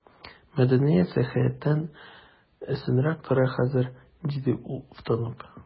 Мәдәният сәясәттән өстенрәк тора хәзер, диде ул уфтанып.